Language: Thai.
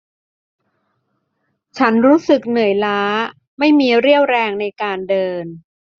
ฉันรู้สึกเหนื่อยล้าไม่มีเรี่ยวแรงในการเดิน